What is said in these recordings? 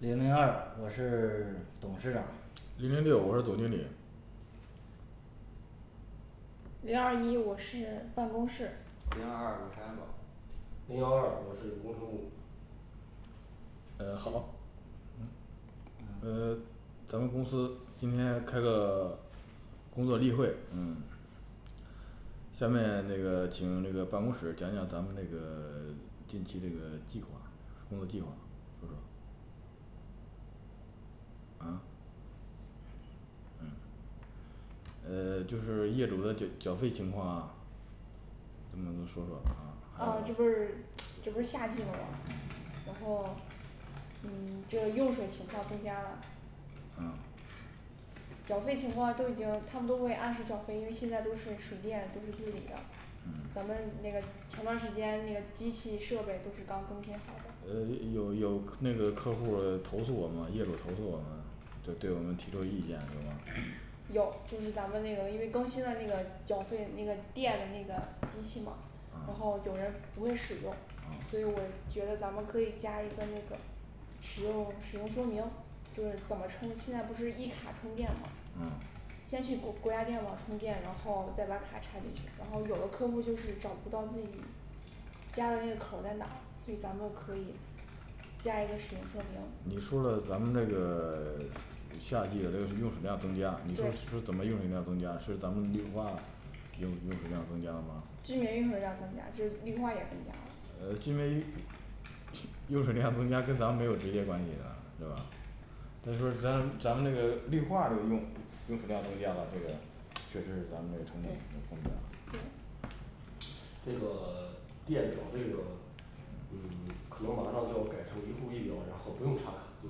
零零二我是董事长零零六我是总经理零二一我是办公室零二二我是安保零幺二我是工程部呃好呃咱们公司今天开个工作例会嗯下面那个请那个办公室讲讲咱们那个 近期那个计划工作计划是吧啊嗯呃就是业主的这缴费情况啊能不能说说啊啊这不是这不是夏季吗然后嗯这个用水情况增加了啊缴费情况都已经他们都会按时缴费，因为现在都是水电都是自理的咱嗯们那个前段时间那个机器设备都是刚更新好的呃有有那个客户投诉我们，业主投诉我们就对我们提出意见有吗有就是咱们那个因为更新了那个缴费那个店那个机器嘛然哦后有人不会使用，哦所以我觉得咱们可以加一个那个使用使用说明就是早充现在不是一卡充电吗噢先去国国家电网充电，然后再把卡插进去，然后有的客户就是找不到自己家的那个口儿在哪儿，所以咱们可以加一个使用说你明说的咱们那个 夏季的用 用水量增加，你说对这是怎么用水增加是咱们绿化用用水量增加吗居民用水量增加就是绿化也增加了呃居民用水量增加 跟咱没有直接关系的是吧那说咱咱们那个绿化的用对这个电表这个嗯 可能马上就要改成一户儿一表，然后不用插卡就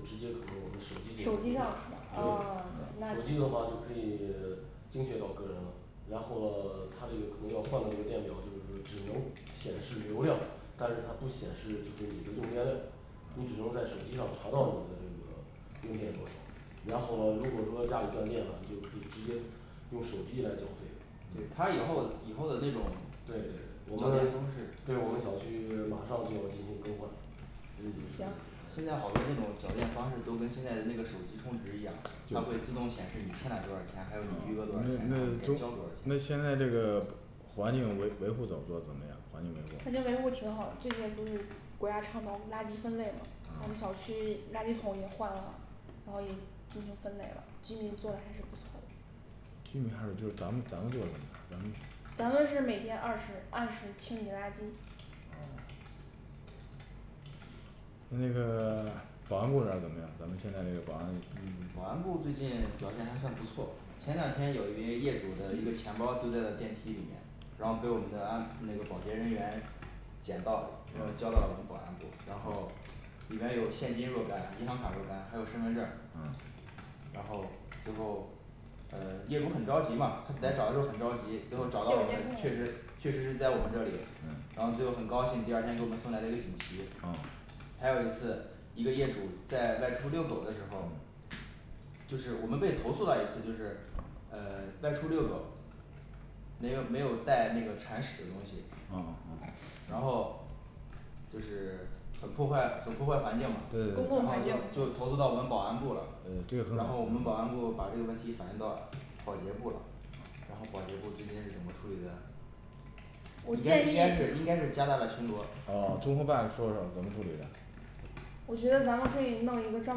直接可能我们手机就能付费，对手机上是吧噢对那手机的话就可以 精确到个人了，然后他这个可能要换的电表就是只能显示流量，但是它不显示你这个你的用电量你只能在手机上查到你的这个用电多少然后如果说家里断电了，你就可以直接用手机来缴费对他以后以后的那种对对我就连们通式对我们小区马上就要进行更换所以就是行现在好多这种缴电方式都跟现在的那个手机充值一样它会哦自动显示你欠了多少钱，还有你余啊额多少钱那，然后你那该都交多少那钱现在这个环境维维护怎么做的怎么样环境维护环境维护挺好的最近不是国家倡导垃圾分类吗我们啊小区垃圾桶也换了然后也进行分类了，居民做还是不错的居民还是就咱们咱们这个咱们咱们是每天二十按时清理垃圾那个 保安部这儿怎么样咱们现在这个保安嗯部保安部最近表现还算不错，前两天有一位业主的一个钱包丢在了电梯里面然后被我们的安那个保洁人员捡到然后交到我们保安部然后里边儿有现金若干，银行卡若干，还有身份证儿嗯然后最后呃业主很着急嘛，他来找的时候很着急，最后调找到我们确监实控确实是在我们这里然后最后很高兴第二天给我们送来了一个锦旗哦还有一次一个业主在外出遛狗的时候就是我们被投诉了一次就是呃外出遛狗没有没有带那个铲屎的东西噢 然后就是很破坏很破坏环境嘛对然对公对共后环就境就投诉到我们保安部了呃这个怎么然后我们保安部把这个问题反映到保洁部了然后保洁部最近是怎么处理的我建议噢综合办说说怎么处理的我觉得咱们可以弄一个专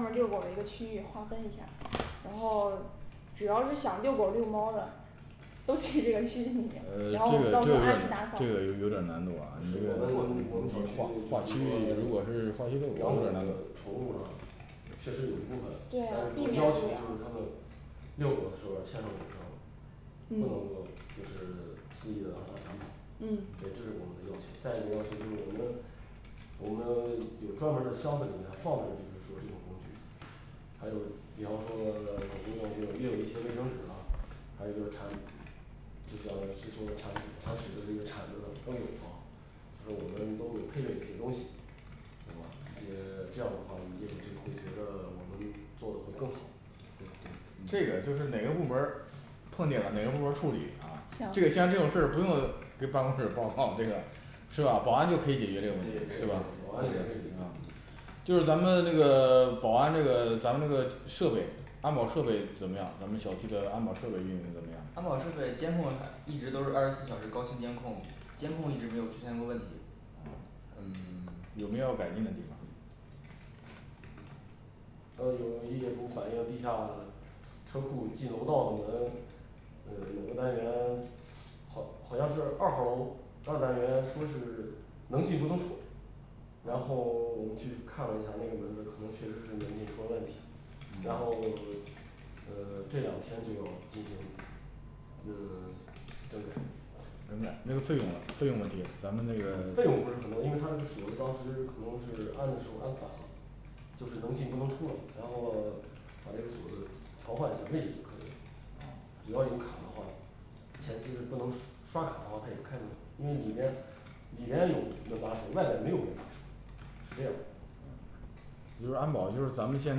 门遛狗的区域划分一下，然后主要是想遛狗遛猫的都去这个呃这个这个有点儿区域里面 然后我们到时候按时打扫这个有有点儿难度啊不是咱们我们划分小区域区如就果是是划说区遛养狗有点儿狗难度的宠物啦确实有一部分，但对啊是避我免不要了求就是他们遛狗的时候牵上狗绳不能够就是肆意的嗯对这是我们的要求再一个要求就是我们我们有专门儿的箱子里面放着就是说这个工具，还有比方说准备一点儿也有也有一些卫生纸啦还有一个铲就是要是说铲铲屎的这个铲子都有啊就我们都有配备的这些东西对吧？呃这些这样的话我们业主就会觉得我们做的会更好对对嗯这个就是哪个部门儿碰见了哪个部门儿处理啊行这个像这种事儿不用给办公室报告这个 是吧？保安就可以解决这对对个问题是吧对？啊保安也可以解决就是咱们这个保安这个咱们这个设备安保设备怎么样，咱们小区的安保设备运营怎么样安保设备监控一直都是二十四小时高清监控，监控一直没有出现过问题嗯 有正要改进的地方吗呃有业主反映地下车库进楼道的门，呃每个单元好好像是二号楼二单元说是能进不能出然后我们去看了一下那个门子，可能确实是门禁出了问题嗯然后呃这两天就要进行那个整改整改这个费用呢费用问题咱们那个费用不是很多因为他这个锁是当时可能是安的时候安反了就是能进不能出了然后把这个锁子调换一下位置就可以了。只要有卡的话前期是不能刷卡的话它也不开门，因为里边里面有门把手，外面没有门把手是这样的就是安保就是咱们现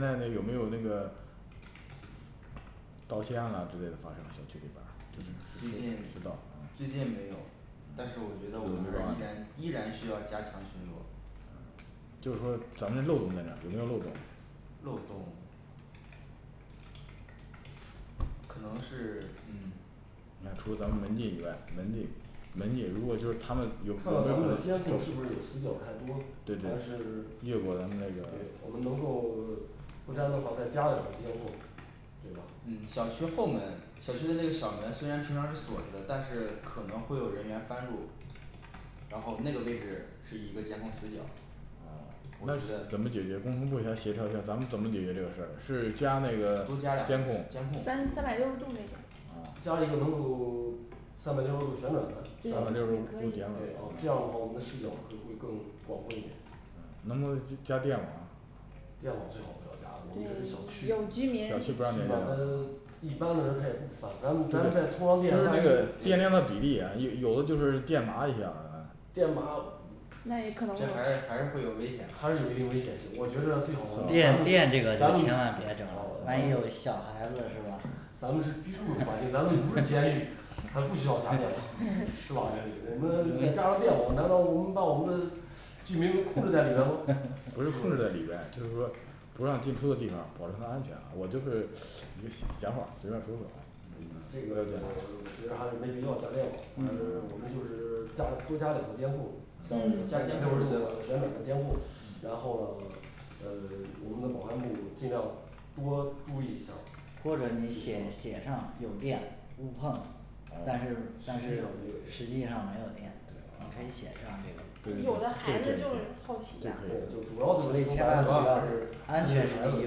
在有没有那个盗窃案啊之类的发生小区里面就嗯是最近失失盗啊最近没有但是我觉得我们还是依然依然需要加强巡逻就是说咱们漏洞在哪儿，有没有漏洞漏洞可能是嗯你看除了咱们门禁以外门禁门禁如果就是他们有看有到没有咱可们能的监整控是不是有死角太多对对还是 对越过咱们那个我们能够 不占弄好再加两个监控对嗯吧小区后门小区的那个小门虽然平常是锁着的，但是可能会有人员翻入然后那个位置是一个监控死角我那怎么觉得解决跟工程部协调一下，咱们怎么解决这个事儿，是加那个多加两监个控监控三三百六十度那个加一个能够三百六十度旋转嗯的也三百六十度可以行这样的话我们的视角更会更广阔一点能不能加电网啊电网最好不要加，我们这是小区对有居民小区不让咱加电们网啊 一般的人他也不翻咱们咱们在通上电万一电量的比例啊有的就是电麻一下儿啊电麻那也可能失这就还是还是会有危险还是有一定危险性我觉得最好咱们咱电们咱们噢电这个咱你千万们别整万一有小孩子是吧 咱们是居住的环境咱们不是监狱咱不需要加电网是 吧我们你加入电网难道我们把我们的居民给控制在里头 不是控制在里面就是说不让进出的地方保证它安全啊我就是一个想想法儿随便说说啊嗯这个 我觉得还是没必要加电网，嗯 我们就是 加多加两个监控三百六十度旋加监控是最转好的监控然后呃 我们的保安部尽量多注意一下儿或者你写写上有电勿碰但是实际上没有电实际上没有电对你可以写上这个嗯有的孩子对就是好奇对呀就主要就是现在主说要还是就是还是孩安子全第对对一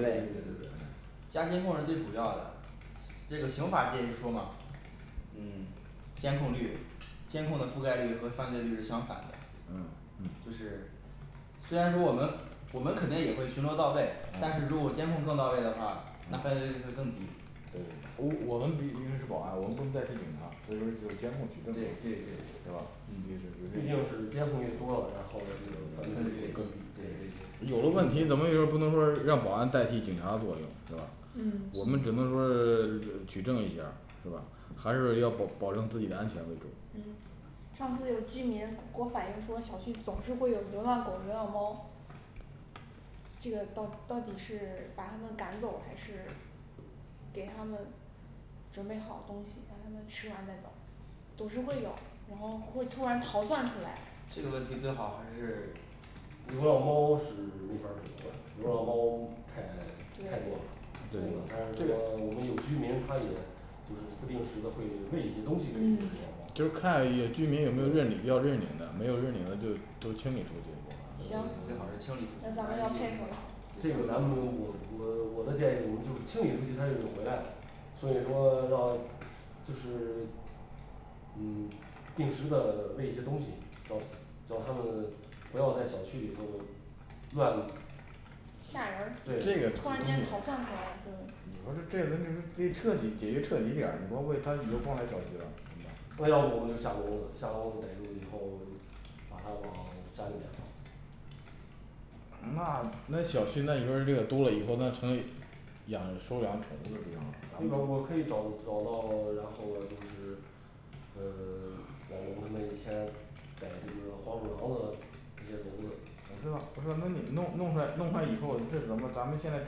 对位嗯加监控是最主要的这个刑法界就说嘛加监控是最主要的这个刑法界就说嘛嗯监控率，监控的覆盖率和犯罪率是相反的嗯就是虽然说我们我们肯定也会巡逻到位，但是如果监控更到位的话那犯罪率会更低呃哦我们毕竟是保安我们不能代替警察所以说这个监控是对的是吧对对对对吧嗯毕竟是监控越多了然后这犯个罪犯率罪越低率对更低对对有了问题怎么也不能说是让保安代替警察作用是吧嗯我们只能说 举证一下是吧还是要保保证自己的安全为主嗯上次有居民给我反映说小区总是会有流浪狗，流浪猫这个到到底是把他们赶走还是给他们准备好东西让他们吃完再走总是会有然后会突然逃窜出来这个问题最好还是流浪猫是没法儿管的，流浪猫太太多了对对吧但是说我们有居民，他也就是不定时的会喂一些东西给这些嗯流浪猫就是看居民有没有认领要认领的没有认领的就都清理出去最行好是清理出那去咱万们要一配有合这个咱们我我我的建议我们就清理出去它又回来了所以说让就是吓人这对个儿就突然间逃窜出来就不是这个东西你们得彻底解决彻底点你光喂它以后光来小区了行吧那要不我们就下楼下楼逮住以后，把它往家里面放那那小区那里边这个多了以后那可能养收养宠物的地方我我可以找找到然后我就是呃要用他们以前找这个黄鼠狼的这些笼子你这儿不是那你弄弄出来弄出来以后你是咱咱们现在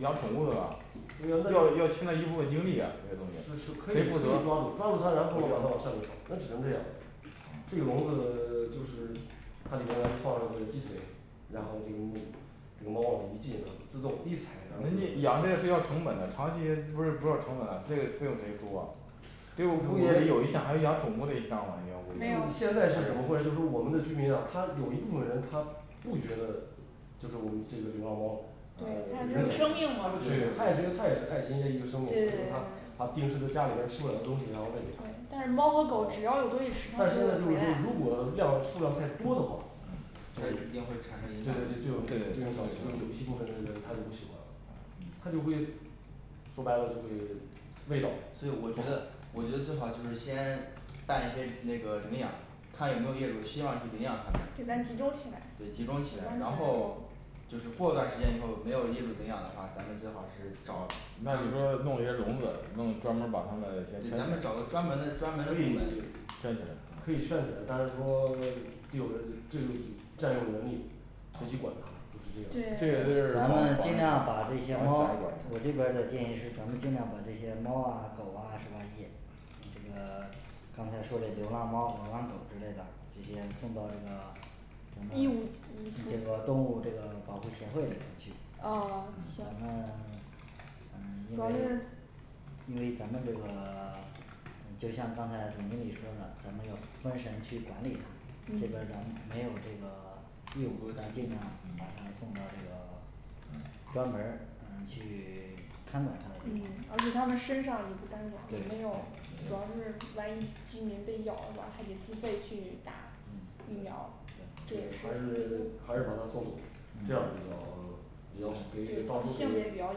养宠物的呃那倒不是是是要要承担一部分精力呀这个东西可以可谁以负责抓住抓住它然后了把它往上面放，那只能这样这个笼子 就是它里面咱们放一个鸡腿，然后这个猫 这个猫往仪器自动一踩上然你后就养这个是要成本的，长期不是不要成本，这个费用谁出啊诶呦我们物业有一项还有养宠物这一项你没有现在是怎么回事就是我们的居民啊他有一部分人他不觉得就是我们这个流浪猫对呃它也是个生命他嘛不觉得对他也觉得他也是爱心的一个生命所对以对说它对他定时在家里面儿吃不了的东西，然后喂给它但是猫和狗只要有东西它吃，它但们就现会在就回是来说如果要数量太多的话这样一定会产生对对对对我们这个小影响区就有一些部分人他就不喜欢了他就会说白了就会味道所以我觉得我觉得最好就是先办一些那个领养看有没有业主希望去领养他们，给对它集集中中起来起来，然后就是过段时间以后没有业主领养的话，咱们最好是找那你说弄一些笼子弄专门儿把它们先对圈起咱们找个专门来的专门的可部以门圈起来可以圈起来，但是说这种这就属于占用人力谁去管它就是对这这样个就是保咱们安尽量保把安这些猫我这边儿的建议是咱们尽量把这些猫儿啊狗儿啊什么这个刚才说的流浪猫流浪狗之类的这些送到这个义务这个动物这个保护协会里面去哦行呃因为因为咱们这个 就像刚才总经理说的咱们要专人去管理它这嗯边儿咱们没有这个义务咱尽量把它送到这个 嗯专门儿嗯去看管它的嗯地而方且它们身上也不干净也对没有主要对是万一居民被咬了还得自费去打嗯疫苗儿这这也是还费是用还是把它送走这样比较比较好对于大部性分子比较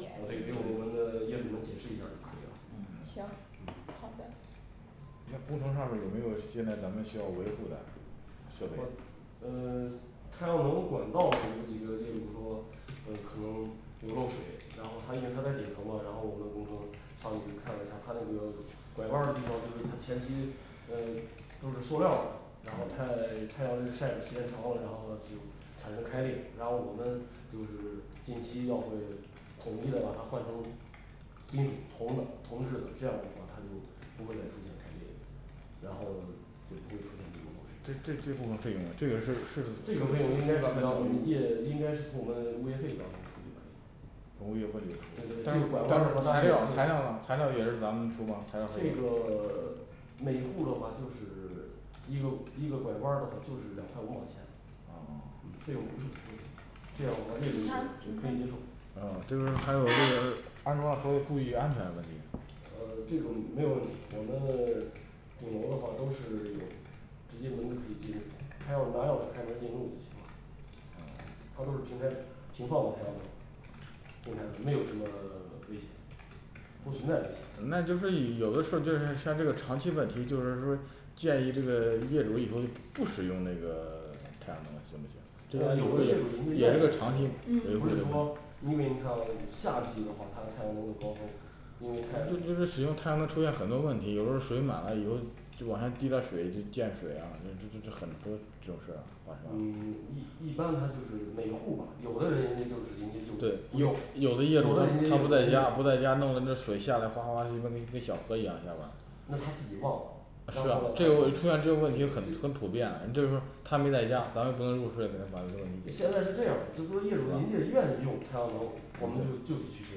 哦对给我们的业主们解释一下儿就可以了嗯行好的那工程上面有没有现在需要咱们维护的设备呃 太阳能管道有几个业主说呃可能有漏水，然后他因为他在顶层呢，然后我们就说上面看了一下他那个拐弯儿的地方就是他前期嗯都是塑料儿的，然后太太阳日晒的时间长了，然后就产生开裂然后我们就是近期要会统一的把它换成金属铜的铜制的，这样的话它就不会再出现开裂然后就不会出现这种漏水这这这部分费用这个事儿是这个费用应该是让我们业应该是从我们物业费当中出去从物业费里出对对这个大材概也就料材料材料也是咱们出嘛材料这个 每户的话就是一个一个拐弯的话就是两块五毛钱噢 费用不是很贵这样的话业主也也可以接受呃就是还有这个安装还要注意安全问题呃这个没有问题，我们顶楼的话都是有直接门可以进入，他要拿钥匙开门进入就行了它都是平台平放的太阳能。平台的没有什么 危险不存在危险那就可以有的时候确实像这个长期问题就是说建议这个业主以后就不使用这个 太阳能行不行呃有的业主人家长愿意期用，不是嗯说因为你看啊夏季的话，它是太阳能的高峰因为太那会不会阳使用太阳能出现很多问题，有时候水满了以后就往下滴的水那溅水啊估计很多是不是啊嗯 一一般他就是每户吧有的人人家就是人家就是对不用有有的的人家业业主主他，不在家不在家弄的水下来哗哗哗就跟那那小河一样知道吧那他自己忘了这会出现就会很很普遍你这说他没在家咱也不能入室给他关这然后了他东，西现在是这样就说业主人家愿意用太阳能我们就就得去给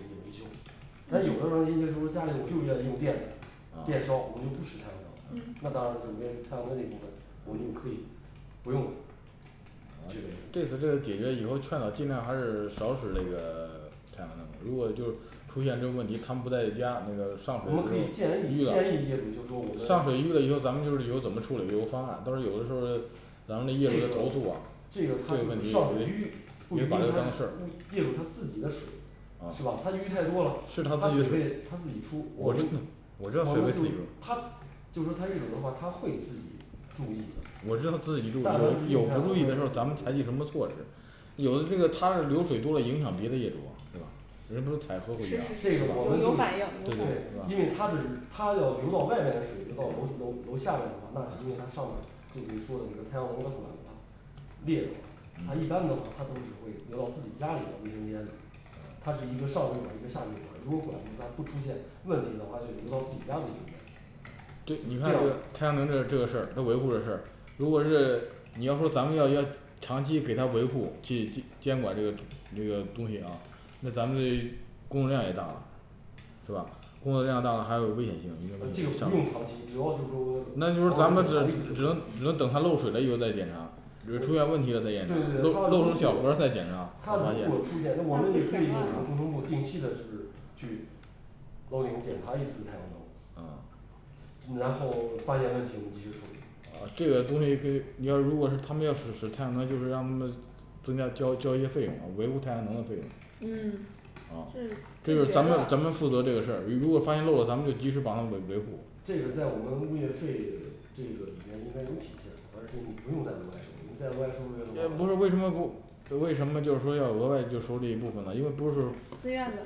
人家维修但有的时候人人家如果家里有就愿意用电电烧哦我们就不使太阳能那嗯当然太阳能这部分我们就可以不用这个用户这个这个解决以后太阳尽量还是少使这个 太阳能如果就是出现这个问题他们不在家那个上水我们可以建淤议建议业主就说我们了，上水淤了以后咱们就是以后怎么处理有个方案到时有的时候咱们的业主户啊这个这个他自己上水淤业主以为他是业主他自己的水是吧噢他淤太多了是他他自水己费他自己出我们我我们就认为还得他就说他淤水的话他会自己注意的我知道自但凡是己注有有用太不阳注意的时候咱们能采取什么措施有的这个他这儿流水多影响别的业主是吧人不能太厚脸是是皮这是个啊我们有都反映有反映对因为他这是他要流到外面水流到楼楼楼下边那是因为他上面儿这个太阳能的管子裂了它一般的话，它都是会留到自己家里的卫生间的它是一个上水管一个下水管，如果管子它不出现问题的话，就留到自己家卫生间这就是你看这样太阳能这这个事儿他维护这个事儿如果是你要说咱们要要长期给他维护去监管这个那个东西啊那咱们的工作量也大，是吧工作量大还要有危险性，呃这个不用长期只要就说偶那就说咱尔检们只查一次只就能可以只能等它漏水了以后再检查比如出现问题了再对对对他检查漏如果漏成小河儿了再检查他我发如果之现前那我们也可以用我们工程部定期的是去去楼顶检查一次太阳能啊然后发现问题我们及时处理啊这个东西可以你要如果是他们使使太阳能，就是让他们增加交交一些费用，啊维护太阳能的费用嗯啊哦对这这自觉咱的们吧咱们负责这个事儿如果发现漏了咱们就及时帮他们维维护这个在我们物业费这个里面应该有体现而且你不用再额外收费，你再额外收费不是为什么不这为什么就是说要额外就收这一部分呢因为不是自愿的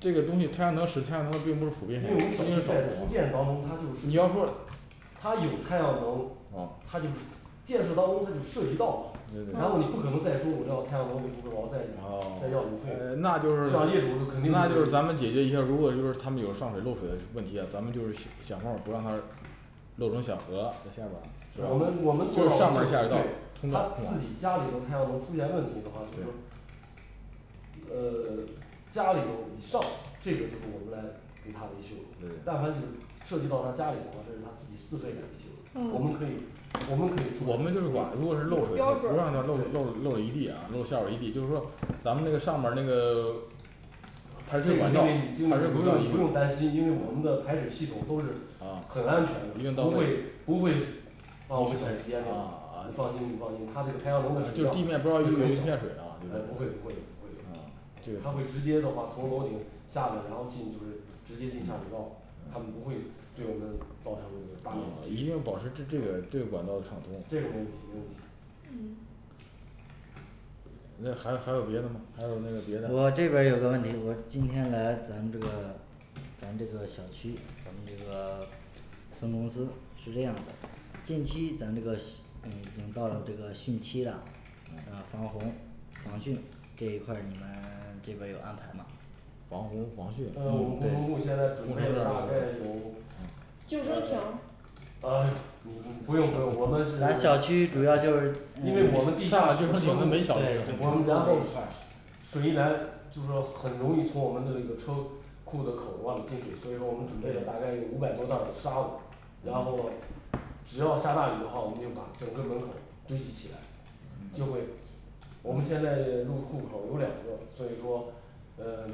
这个东西太阳能使太阳能的并不是普遍因为你小区在初建当中它就是你要说他有太阳能哦他就是建设当中他就涉及到了然后你不可能再说我知道太阳能这部分然后再哦再要什么费噢 那就用是这样业主们肯定那就就是是咱们解决一下儿如果就是他们有上水漏水问题呀咱们就是想办法不让它漏成小河在下边儿我们我们做到了就是对他自己家里头他要能出现问题的话就是说呃 家里头以上这个就是我们来给他维修对但凡就是涉及到他家里的话，这是他自己自费来维修我们可哦以我们可以处理我们就是管处理如果是漏水了标准不让它儿漏对漏漏一地啊漏下边儿一地就是说咱们那个上边儿那个 这排个水管这道个你基排本是水不管道一用不定要用担心，因为我们的排水系统都是很安全一定的到不位会不会把我们小区淹掉你放心你放心他这个太阳能的就水，地面不让有一地面水不会不会有不会有的啊它会直接的话从楼顶下来，然后进就是直接进下水道它们不会对我们造成这个大面积一定积要水，保持这这个这个管道的畅通，这个没问题没问题嗯你们还还有别的吗还有那个别的吗我这边儿有个问题我今天来咱这个咱这个小区你们这个分公司是这样的，近期咱这个小已经到了这个汛期了，防洪防汛这一块你们这边有安排吗防洪防汛呃我们工程部现在准备了大概有呃救生艇 呃你不用不用我们是，咱小区主要就是因为我们地下室的车库我们然后水一来就说很容易从我们的这个车库的口往里进水，所以说我们准备了大概有五百多袋的沙子然后只要下大雨的话，我们就把整个门口堆积起来就会我们现在入库口有两个，所以说呃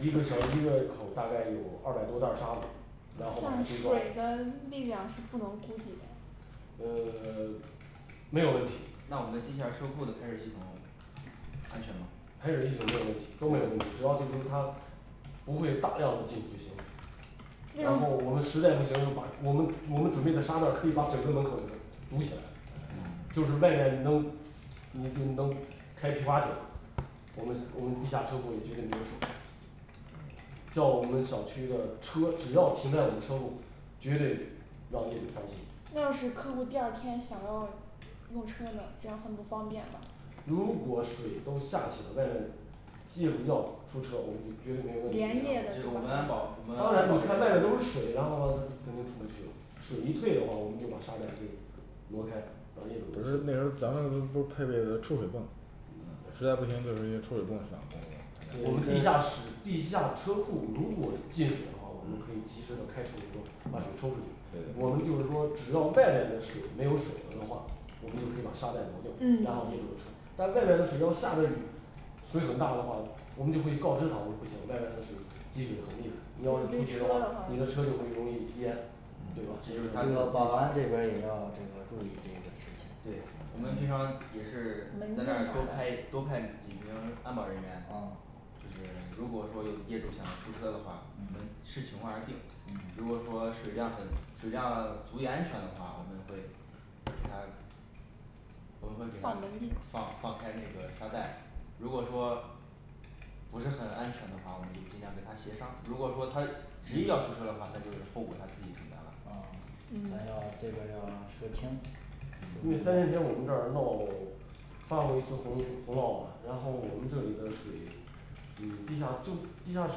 一个小一个口大概有二百多袋沙子然后把它但堆水高的力量是不能估计的呃 没有问题那我们地下车库的排水系统，安全吗排水系统没有问题，都没有问题，只要就是说它不会大量的进就行了然后我们实在不行，把我们我们准备的沙袋可以把整个门口给它堵起来嗯就是外边你都你你你能开始蛙泳我们我们地下车库也绝对没有水叫我们小区的车只要停在我们车库绝对让业主放心那要是客户第二天想要用车的，这样很不方便吧如果水都下去了，外面业主要出车，我们就绝对没有问题连夜这的个我们安保我们，安当保然你看外人员面都是水，然后他肯定出不去了水一退的话，我们就把沙袋可以挪开让业主不是那时们候出去咱们不不是配备了出水泵实在不行就给人家出水泵上我们地下室地下车库如果进水的话，我们可以及时的开抽水泵把水抽出去我们就是说只要外边的水没有水了的话，我们就可以把沙袋挪掉，嗯然后业主的车但外面的水要下着雨水很大的话，我们就会告知他说不行，外面的水积水很厉害，你你要要是备出去车的的话话你的车就会容易淹对吧咱们保安这边儿也要这个注意一些这个事情啊对我们平常也是门禁在那儿多卡派多派几名安保人员啊就是如果说有业主想要出车的话，我们视情况而定，嗯如果说水量很水量足以安全的话，我们会给他我们会给放门他禁放放开那个沙袋，如果说不是很安全的话，我们就尽量跟他协商，如果说他执意要出车的话，那就是后果他自己承担了噢咱要嗯这边儿要说清楚因为三年前我们这儿闹发过一次洪洪涝嘛，然后我们这里的水嗯地下就地下室